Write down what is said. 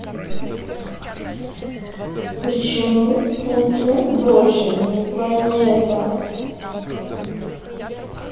почему плутон больше не планета